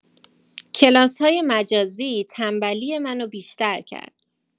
کلاس‌های مجازی تنبلی منو بیشتر کرد